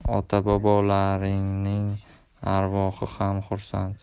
ota bobolaringning arvohi ham xursand